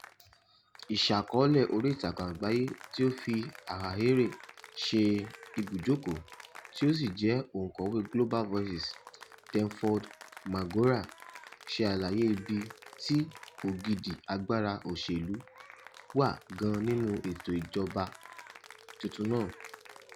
Aṣàkọọ́lẹ̀ oríìtakùn àgbáyé tí ó fi Harare ṣe ibùjókòó tí ó sì jẹ́ Òǹkọ̀wé Global Voices, Denford Magora, ṣe àlàyé ibi tí ògidì agbára òṣèlú wà gan nínú ètò ìjọba tuntun náà.